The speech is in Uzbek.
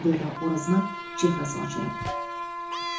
dedi o'rozmat chehrasi ochilib